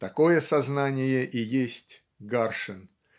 Такое сознание и есть Гаршин.